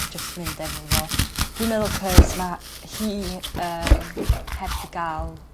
Jys mynd efo fo. Dwi'n meddwl 'c'os ma' hi yym heb 'di ga'l